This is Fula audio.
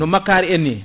no makkari en ni